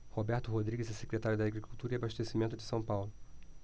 roberto rodrigues é secretário da agricultura e abastecimento de são paulo